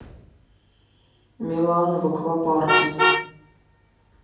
милана в аквапарке